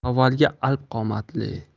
avvalgi alp qomatli